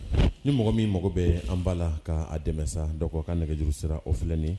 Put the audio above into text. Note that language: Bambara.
Ni mɔgɔ min mago bɛ an b'a la k'a dɛmɛ dɔw ka nɛgɛjuru sera ofinen